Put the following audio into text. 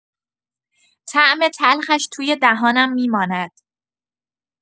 طعم تلخش توی دهانم می‌ماند.